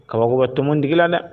Kabakobatɔon tigiigi la dɛ